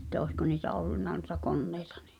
että olisiko niitä ollut noita koneita niin